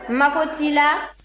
mago t'i la